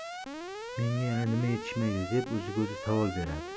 menga yana nima yetishmaydi deb o'ziga o'zi savol beradi